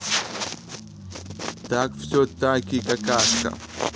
так все таки какашка